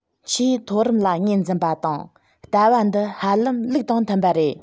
ཆེས མཐོ རིམ ལ ངོས འཛིན པ དང ལྟ བ འདི ཧ ལམ ལུགས དང མཐུན པ རེད